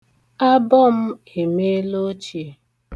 Abọ m emela ochie.